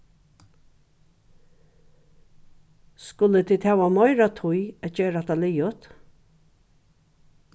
skulu tit hava meira tíð at gera hatta liðugt